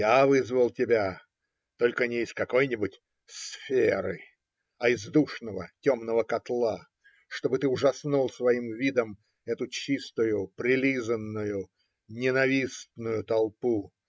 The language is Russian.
Я вызвал тебя, только не из какой-нибудь "сферы", а из душного, темного котла, чтобы ты ужаснул своим видом эту чистую, прилизанную, ненавистную толпу.